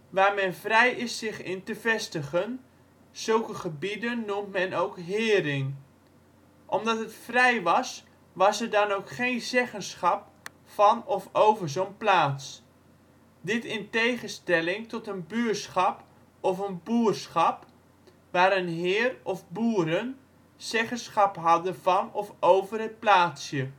waar men vrij is zich in te vestigen, zulke gebieden noemt men ook Hering. Omdat het vrij was was er dan ook geen zeggenschap van of over zo 'n plaats. Dit in tegenstelling tot een buurschap of een boerschap, waar een heer of boeren zeggenschap hadden van of over het plaatsje